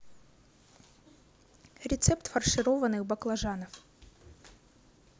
рецепт фаршированных баклажанов